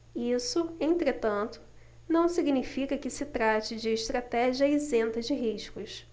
isso entretanto não significa que se trate de estratégia isenta de riscos